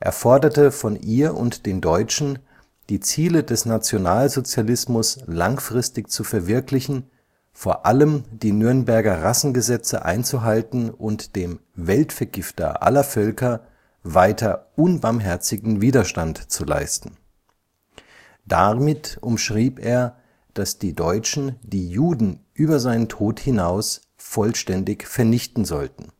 forderte von ihr und den Deutschen, die Ziele des Nationalsozialismus langfristig zu verwirklichen, vor allem die Nürnberger Rassengesetze einzuhalten und dem „ Weltvergifter aller Völker “weiter „ unbarmherzigen Widerstand “zu leisten. Damit umschrieb er, dass die Deutschen die Juden über seinen Tod hinaus vollständig vernichten sollten